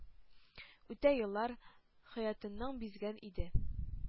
Үтә еллар... Хәятыннан бизгән инде...